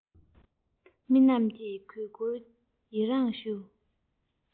མི རྣམས ཀྱིས གུས བཀུར ཡིད རང ཞུ